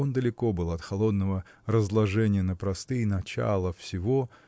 он далеко был от холодного разложения на простые начала всего